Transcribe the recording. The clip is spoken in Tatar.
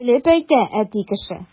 Белеп әйтә әти кеше!